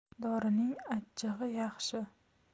dorining achchig'i yaxshi